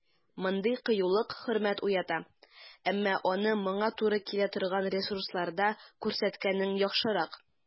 Мондый кыюлык хөрмәт уята, әмма аны моңа туры килә торган ресурсларда күрсәткәнең яхшырак.